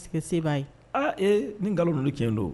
Se b'a ye aa nin n nkalon ninnu tiɲɛ don